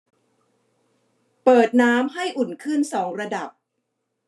เปิดน้ำให้อุ่นขึ้นสองระดับ